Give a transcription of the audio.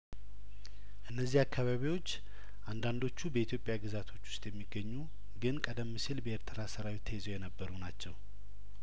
እነዚህ አካባቢዎች አንዳንዶቹ በኢትዮጵያ ግዛቶች ውስጥ የሚገኙ ግን ቀደም ሲል በኤርትራ ሰራዊት ተይዘው የነበሩ ናቸው